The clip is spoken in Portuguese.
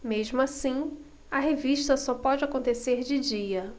mesmo assim a revista só pode acontecer de dia